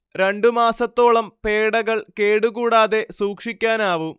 രണ്ടു മാസത്തോളം പേഡകൾ കേടു കൂടാതെ സൂക്ഷിക്കാനാവും